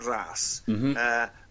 ras. M-hm. Yy.